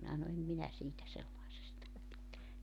minä sanon en minä siitä sellaisesta välitä